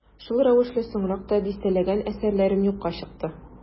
Шул рәвешле соңрак та дистәләгән әсәрләрем юкка чыкты.